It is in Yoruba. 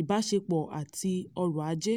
ìbáṣepọ̀ àti ọrọ̀-ajé.